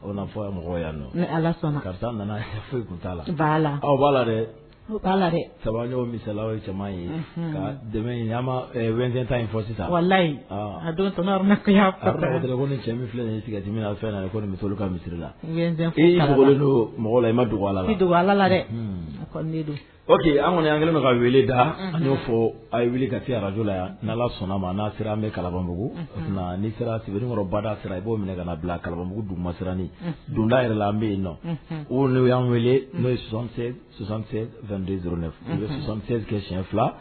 O fɔ mɔgɔ yan nɔ ala karisa nana foyi kun' la la aw' la saba mila ye caman ye kata in fɔ sisanyi ko ni cɛ min filɛ nin siga fɛn ka misisiriri la don mɔgɔla ma don ala la don ala la an kɔni an kɛlen ka weele da an'o fɔ a ye wuli ka se arajla yan ni ala sɔnna ma n'a sera an bɛ kalababugu sera sigikɔrɔ bada sera i b'o minɛ kana na bilabugu dun ma siranani dunda yɛrɛ la an bɛ yen nɔ o n'o y'an wele n'o ye son sonsan u ye sonsɛ kɛ siɲɛ fila